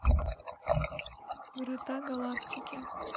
врата галактики